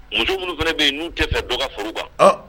Muso minnu fana bɛ yen n'u tɛ fɛ dɔ ka fara u kan